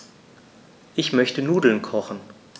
Ich möchte Nudeln kochen.